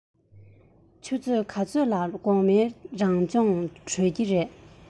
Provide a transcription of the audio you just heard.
ཆུ ཚོད ག ཚོད ལ དགོང མོའི རང སྦྱོང གྲོལ གྱི རེད